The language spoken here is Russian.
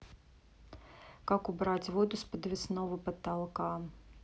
как убрать воду с подвесного потолка